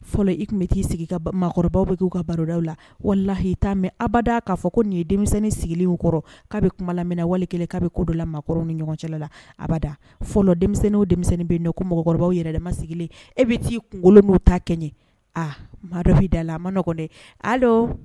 Fɔlɔ i tun bɛ t'i sigikɔrɔba bɛ k'u ka barodaw la walahii mɛ aba k'a fɔ ko nin ye denmisɛnnin sigilen kɔrɔ k'a bɛ kuma minwale kelen k'a ko dɔ la maaw ni ɲɔgɔn cɛ la abada fɔlɔ denmisɛnnin denmisɛnnin bɛ ko mɔgɔkɔrɔbaw yɛrɛ ma sigilen e bɛ t'i kunkolokolon n' ta kɛɲɛ a ma dɔfin da la a ma n nɔgɔɔgɔn dɛ